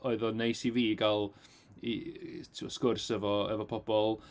Oedd o'n neis i fi gael i... timod sgwrs efo efo pobl.